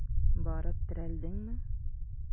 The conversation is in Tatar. Барып терәлдеңме?